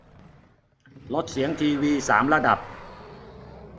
ลดเสียงทีวีสามระดับ